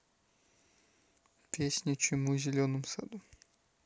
песня чему зеленом саду